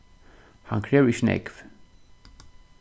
hann krevur ikki nógv